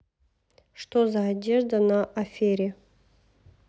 что за одежда на афере